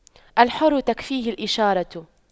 الحر تكفيه الإشارة